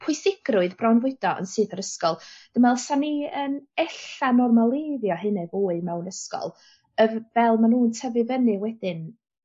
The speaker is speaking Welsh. pwysigrwydd bron fwydo yn syth o'r ysgol. Dwi me'wl sa ni yn ella normaleiddio hynne fwy mewn ysgol yym fel ma' nw'n tyfu fynny wedyn